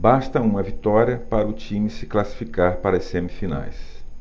basta uma vitória para o time se classificar para as semifinais